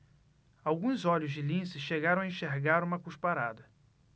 alguns olhos de lince chegaram a enxergar uma cusparada